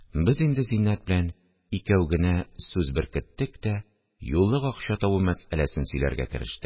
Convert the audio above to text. Без инде Зиннәт белән икәү генә сүз беркеттек тә юллык акча табу мәсьәләсен сөйләргә керештек